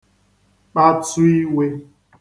kpatsu iwē